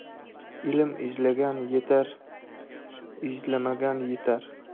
ilm izlagan yetar izlamagan yitar